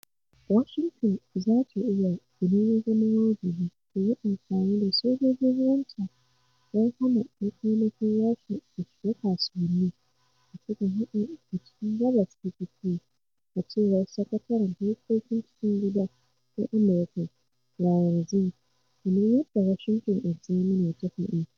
Washington za ta iya "idan ya zama wajibi" ta yi amfani da sojojin ruwanta don hana makamashin Rasha ya shiga kasuwannin, da suka haɗa da cikin Gabas ta Tsakiya, a cewar Sakataren Harkokin Cikin Gida na Amurka Ryan Zinke, kamar yadda Washington Examiner ta faɗa.